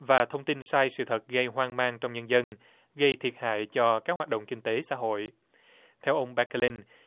và thông tin sai sự thật gây hoang mang trong nhân dân gây thiệt hại cho các hoạt động kinh tế xã hội theo ông be cơ lần